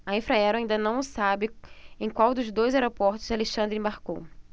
a infraero ainda não sabe em qual dos dois aeroportos alexandre embarcou